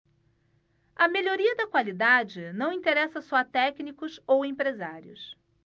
a melhoria da qualidade não interessa só a técnicos ou empresários